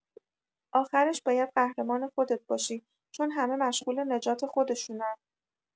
آخرش بایدقهرمان خودت باشی؛ چون همه مشغول نجات خودشونن!